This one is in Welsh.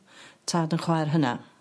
... tad yn chwaer hynna